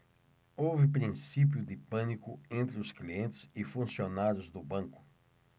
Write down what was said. houve princípio de pânico entre os clientes e funcionários do banco